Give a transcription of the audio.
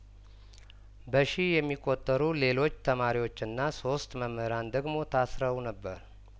በሺ የሚቆጠሩ ሌሎች ተማሪዎችና ሶስት መምህራን ደግሞ ታስረው ነበር